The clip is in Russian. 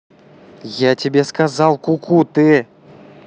я тебе сказала куку ты